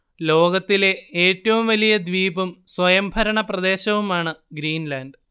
ലോകത്തിലെ ഏറ്റവും വലിയ ദ്വീപും സ്വയംഭരണ പ്രദേശവുമാണ് ഗ്രീൻലാൻഡ്